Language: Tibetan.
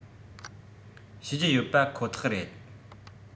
ཤེས ཀྱི ཡོད པ ཁོ ཐག རེད